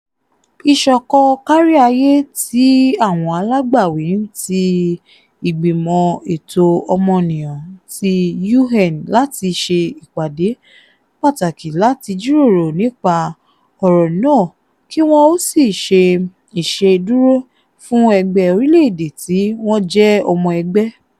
Ìṣọ̀kan káríayé tí àwọn alágbàwí ń ti Ìgbìmọ̀ Ètò Ọmọnìyàn ti UN láti ṣe ìpàdé pàtàkì láti jíròrò nípa ọ̀rọ̀ náà kí wọn ó sì ṣe ìṣèdúró fúnẹgbẹ́ orílẹ̀ èdè tí wọ́n jẹ́ ọmọ ẹgbẹ́.